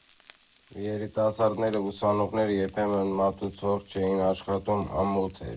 Երիտասարդները, ուսանողները երբեք մատուցող չէին աշխատում՝ ամոթ էր։